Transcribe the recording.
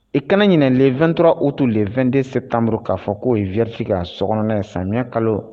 I kana ɲin le2ttɔ u tun 2dse tanmuruuru k'a fɔ'o vriti ka sogɔn ye samiyɛ kalo